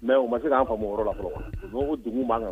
Mɛ u ma se k'an faamu la fɔlɔ dugu b' kan